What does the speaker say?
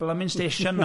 Blymun station, na?